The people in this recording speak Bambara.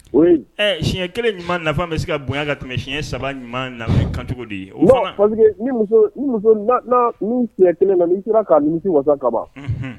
Oui ɛɛ senɲɛ 1 ɲuman nafa bɛ se ka bonya ka tɛmɛ senɲɛ 3 ɲuman nafa kan cogo di? non parce que ni muso, ni muso na na ni senɲɛ 1 na ni sera k'a nimisi wasa ka ban, unhun.